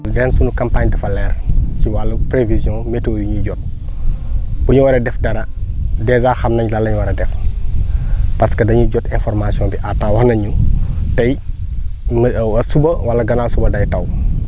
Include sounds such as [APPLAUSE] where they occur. ñun daal suñu campagne :ra dafa leer ci wàllu prévision météo yi ñuy jot bu ñu waree def dara dèjà xam nañ lan la ñu war a def parce que dañuy jot information bi à temps wax nañ ñu tey [HESITATION] suba wala gannaaw suba day taw